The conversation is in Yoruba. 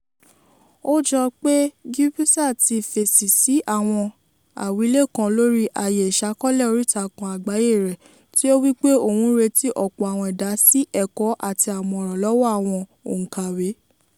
Ó jọ pé Guebuza ti fèsì sí àwọn àwílé kan lórí àyè ìṣàkọọ́lẹ̀ oríìtakùn àgbáyé rẹ, tí ó wí pé òun ń retí ọ̀pọ̀ "àwọn ìdásí, ẹ̀kọ́ àti àmọ̀ràn" lọ́wọ́ àwọn òǹkàwé.